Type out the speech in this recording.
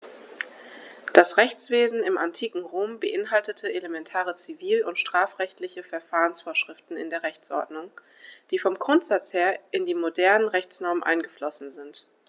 Das Rechtswesen im antiken Rom beinhaltete elementare zivil- und strafrechtliche Verfahrensvorschriften in der Rechtsordnung, die vom Grundsatz her in die modernen Rechtsnormen eingeflossen sind.